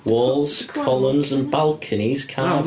Walls, columns and balconies carved...